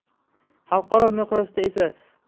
xalqaro miqyosda esa